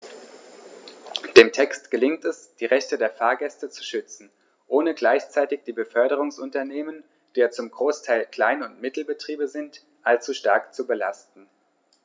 Dem Text gelingt es, die Rechte der Fahrgäste zu schützen, ohne gleichzeitig die Beförderungsunternehmen - die ja zum Großteil Klein- und Mittelbetriebe sind - allzu stark zu belasten.